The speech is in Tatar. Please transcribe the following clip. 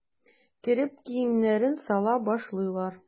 Кереп киемнәрен сала башлыйлар.